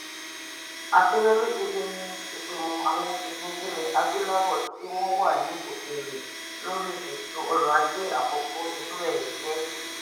Àṣeyọrí gidi ni Ìgbìmọ̀ àwọn obìnrin ilẹ̀ Adúláwọ̀ tí wọ́n wà ní Òkèèrè lórí Ètò ọrọ̀-ajé àkọ́kọ́ irú ẹ̀ yìí jẹ́.